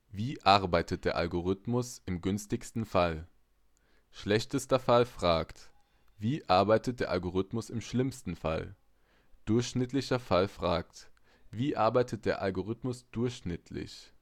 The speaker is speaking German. Wie arbeitet der Algorithmus (in Bezug auf die in Frage stehende Ressource) im günstigsten Fall? Schlechtester Fall: Wie arbeitet der Algorithmus im schlimmsten Fall? Durchschnittlicher Fall: Wie arbeitet der Algorithmus durchschnittlich